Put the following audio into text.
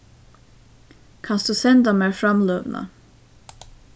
kanst tú senda mær framløguna